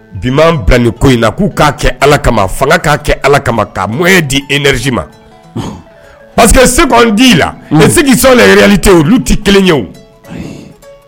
Biman bilanen ko in na k'u k'a kɛ ala kama fanga k'a kɛ ala kama k' mɔ di eɛzji ma pa parce que se k' d i la mɛ se so yɛrɛli tɛ olu tɛ kelen yew